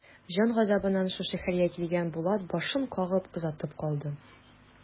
Җан газабыннан шушы хәлгә килгән Булат башын кагып озатып калды.